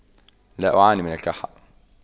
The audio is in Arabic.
لا أعاني من الكحة